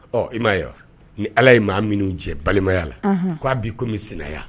Ɔ i ma ye wa? ni allah ye maa minnu jɛ balimaya la, ɔnhɔn, k'a' bɛ komi i sinaya.